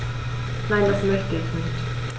Nein, das möchte ich nicht.